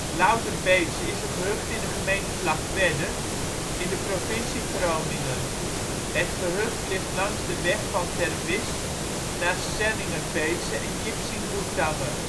Lauderbeetse is een gehucht in de gemeente Vlagtwedde in de provincie Groningen. Het gehucht ligt langs de weg van Ter Wisch naar Sellingerbeetse en Jipsingboertange